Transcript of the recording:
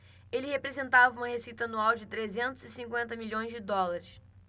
ele representava uma receita anual de trezentos e cinquenta milhões de dólares